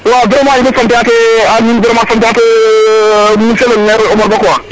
vraiment in way sant a tena nuun sant a teen monsieur le maire Omar aBa quoi